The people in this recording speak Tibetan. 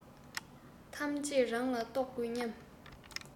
ཐམས ཅད རང ལ གཏོགས དགོས སྙམ